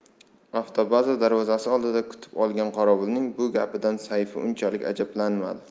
avtobaza darvozasi oldida kutib olgan qorovulning bu gapidan sayfi unchalik ajablanmadi